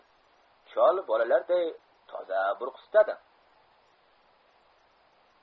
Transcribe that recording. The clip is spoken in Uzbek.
cho'l bobolarday toza burqsitadi